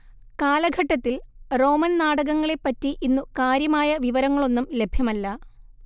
കാലഘട്ടത്തിൽ റോമൻ നാടകങ്ങളെപ്പറ്റി ഇന്നു കാര്യമായ വിവരങ്ങളൊന്നും ലഭ്യമല്ല